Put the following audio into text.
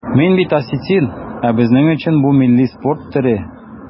Мин бит осетин, ә безнең өчен бу милли спорт төре.